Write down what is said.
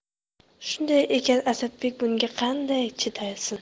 shunday ekan asadbek bunga qanday chidasin